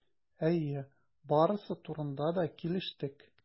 Әйе, барысы турында да килештек.